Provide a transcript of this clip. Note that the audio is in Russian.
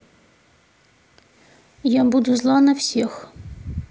я буду зла во всем